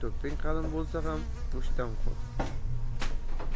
do'pping qalin bo'lsa ham mushtdan qo'rq